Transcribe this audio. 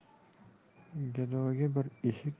gadoga bir eshik